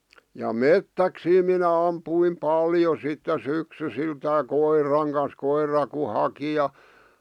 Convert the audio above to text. ja metsäksiä minä ammuin paljon sitten syksyisiltänsä koiran kanssa koira kun haki ja